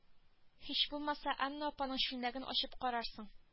Һич булмаса анна апаның чүлмәген ачып карарсың